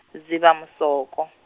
Dzivamusoko.